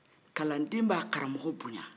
kalanden b'a karamɔgɔ boyan